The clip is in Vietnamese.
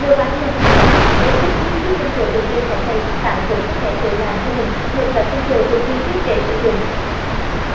muabannhanh hy vọng với cách chiết xuất tinh dầu gừng đơn giản này bạn cũng có thể tự làm cho mình một lọ tinh dầu gừng nguyên chất để sử dụng